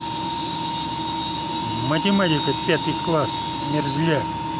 математика пятый класс мерзляк